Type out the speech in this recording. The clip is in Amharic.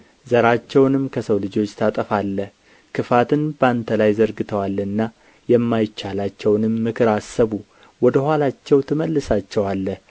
ዘራቸውንም ከሰው ልጆች ታጠፋለህ ክፋትን በአንተ ላይ ዘርግተዋልና የማይቻላቸውንም ምክር አሰቡ ወደ ኋላቸው ትመልሳቸዋለህ